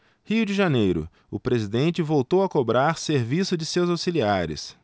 rio de janeiro o presidente voltou a cobrar serviço de seus auxiliares